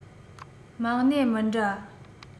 མ གནས མི འདྲ